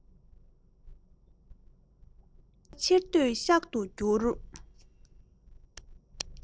གོམ ཁ ཕྱིར སྡོད ཤག ཏུ བསྒྱུར